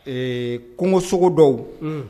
Ee Kungosogo dɔw, unh.